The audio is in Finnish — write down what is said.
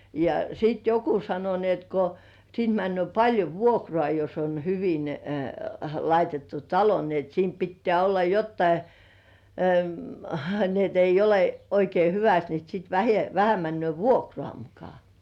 ja sitten joku sanoi niin että kun siitä menee paljon vuokraa jos on hyvin laitettu talo niin että siinä pitää olla jotakin niin että ei ole oikein hyvästi niin sitten - vähän menee vuokraa muka